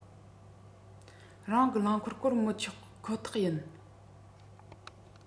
རང གི རླངས འཁོར བསྐོར མི ཆོག ཁོ ཐག ཡིན